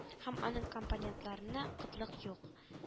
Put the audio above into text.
Әм аның компонентларына кытлык юк